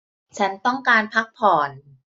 ฉันต้องการพักผ่อน